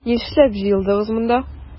Нишләп җыелдыгыз монда?